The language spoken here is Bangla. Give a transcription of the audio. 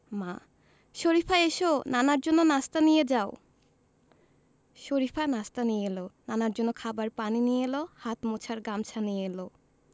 মা শরিফা এসো নানার জন্য নাশতা নিয়ে যাও শরিফা নাশতা নিয়ে এলো নানার জন্য খাবার পানি নিয়ে এলো হাত মোছার গামছা নিয়ে এলো